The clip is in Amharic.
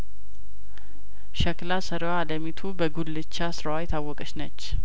ሸክላ ሰሪዋ አለሚቱ በጉልቻ ስራዋ የታወቀች ነች